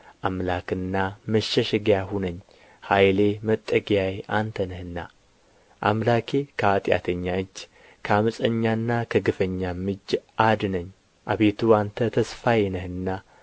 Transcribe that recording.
አምላክና መሸሸጊያ ሁነኝ ኃይሌ መጠጊያዬ አንተ ነህና አምላኬ ከኃጢአተኛ እጅ ከዓመፀኛና ከግፈኛም እጅ አድነኝ አቤቱ አንተ ተስፋዬ ነህና